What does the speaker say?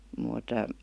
mutta